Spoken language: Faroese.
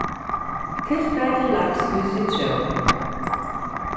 tilfar til laks í sitrón